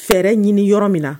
Fɛrɛ ɲini yɔrɔ min na